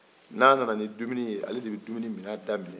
n'a nana ni dumuni ale de bi dumuni mina da minɛ